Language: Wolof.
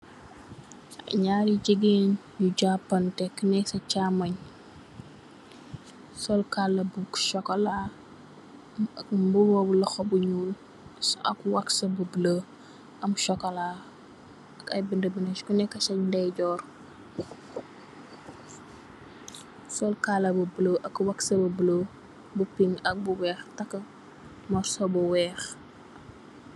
Nyari jegain yu japanteh ku ne sa chamung sol kala bu sukola ak muba bu lohou bu nuul ak waxe bu bulo am sukola ak aye beda beda ku neka se ndeyjorr sol kala bu bulo ak waxe bu bulo bu pink ak bu weex take mursu bu weex.